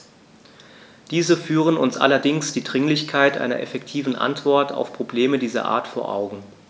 Diese führen uns allerdings die Dringlichkeit einer effektiven Antwort auf Probleme dieser Art vor Augen.